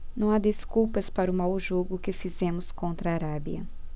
não há desculpas para o mau jogo que fizemos contra a arábia